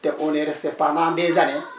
te on est resté pendant des années